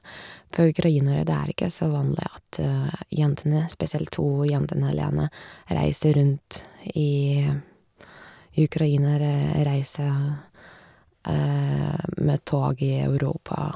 For ukrainere, det er ikke så vanlig at jentene, spesielt to jentene alene, reiser rundt i i Ukraina eller reise med tog i Europa.